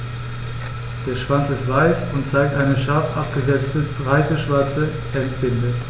Der Schwanz ist weiß und zeigt eine scharf abgesetzte, breite schwarze Endbinde.